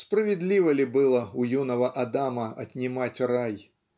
Справедливо ли было у юного Адама отнимать рай?